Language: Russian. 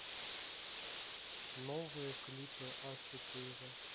новые клипы а четыре